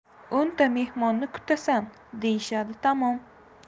o'nta mehmonni kutasan deyishadi tamom